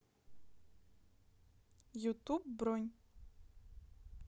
youtube бронь